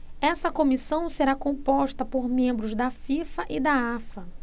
essa comissão será composta por membros da fifa e da afa